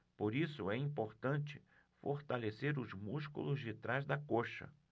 por isso é importante fortalecer os músculos de trás da coxa